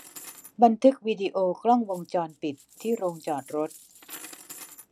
บันทึกวีดีโอกล้องวงจรปิดที่โรงจอดรถ